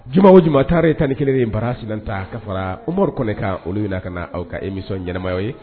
Juma la juma taara ye 11 de ye Baara Sinɛnta ka fara Amadu Kɔnɛ kan, olu bɛ na ka n'aw ka emission ɲɛnaya aw ye.